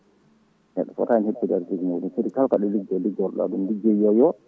neɗɗo footani heppude arsugue muɗum footi kalko aɗa liigo liggoroɗa ɗum ligguey yo yoot